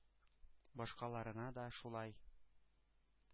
Башкаларына да шулай.